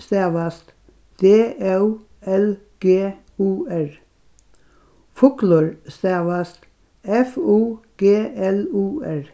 stavast d ó l g u r fuglur stavast f u g l u r